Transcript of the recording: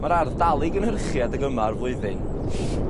Ma'r ardd dal i gynhyrchi adeg yma o'r flwyddyn.